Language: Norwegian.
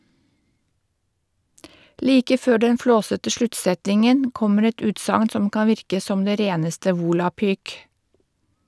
Like før den flåsete sluttsetningen, kommer et utsagn som kan virke som det reneste volapyk.